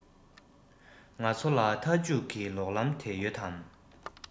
ང ཚོ ལ མཐའ མཇུག གི ལོག ལམ དེ ཡོད དམ